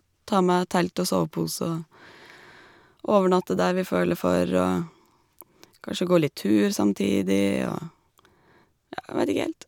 Ta med telt og sovepose og overnatte der vi føler for og Kanskje gå litt tur samtidig og, ja, vet ikke helt.